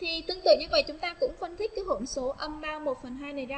chúng ta cũng không thích cái hỗn số âm mang lần